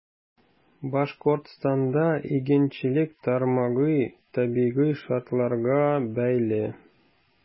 Башкортстанда игенчелек тармагы табигый шартларга бәйле.